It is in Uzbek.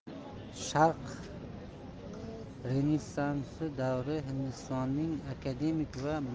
sharq renessansi davri hindistonning akademik va